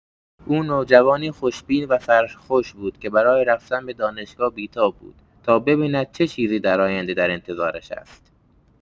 او نوجوانی خوش‌بین و سرخوش بود که برای رفتن به دانشگاه بی‌تاب بود تا ببیند چه چیزی در آینده در انتظارش است.